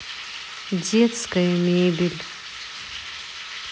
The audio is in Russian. детская мебель